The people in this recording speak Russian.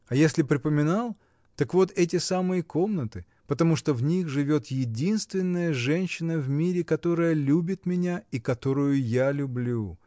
А если припоминал, так вот эти самые комнаты, потому что в них живет единственная женщина в мире, которая любит меня и которую я люблю.